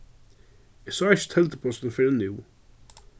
eg sá ikki teldupostin fyrr enn nú